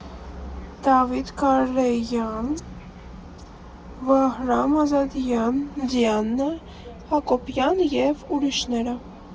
Դավիթ Կարեյան, Վահրամ Ազատյան, Դիանա Հակոբյան և ուրիշներ։